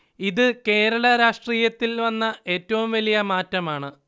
ഇത് കേരള രാഷ്ട്രീയത്തിൽ വന്ന ഏറ്റവും വലിയ മാറ്റമാണ്